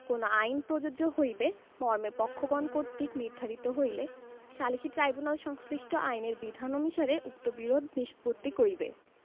কোন আইন প্রযোজ্য হইবে মর্মে পক্ষগণ কর্তৃক নির্ধারিত হইলে সালিসী ট্রাইব্যুনাল সংশ্লিষ্ট আইনের বিধান অনুসারে উক্ত বিরোধ নিষ্পত্তি করিবে